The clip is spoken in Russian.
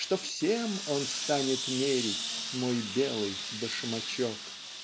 Что всем он станет мерить Мой белый башмачок.